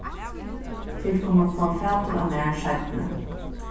tit kunnu fáa fatur á mær seinni